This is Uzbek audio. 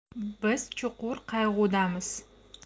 biz chuqur qayg'udamiz